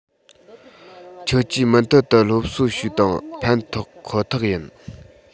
ཁྱོད ཀྱིས མུ མཐུད དུ སློབ གསོ བྱོས དང ཕན ཐོགས ཁོ ཐག ཡིན